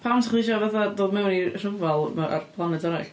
Pam 'sa chdi isio, fatha, dod mewn i rhyfel ma- ar blanet arall?